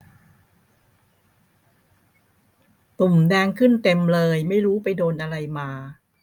ตุ่มแดงขึ้นเต็มเลยไม่รู้ไปโดนอะไรมา